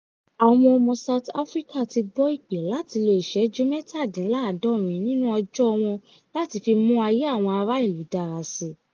Àwọn ọmọ South Africa ti gbọ́ ìpè láti lò ìṣẹ́jú 67 nínú ọjọ́ wọn láti fi mú ayé àwọn ará ìlú dára síi.